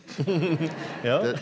ja.